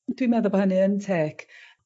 Dw meddwl bo' hynny yn tec.